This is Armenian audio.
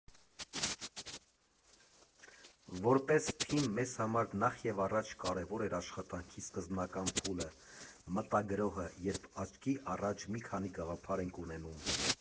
Որպես թիմ, մեզ համար նախևառաջ կարևոր էր աշխատանքի սկզբնական փուլը՝ մտագրոհը, երբ աչքի առաջ մի քանի գաղափար ենք ունենում։